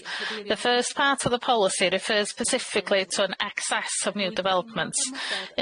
The first part of the policy refers specifically to an excess of new developments.